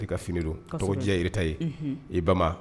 I fini tɔgɔjɛ i ye i ba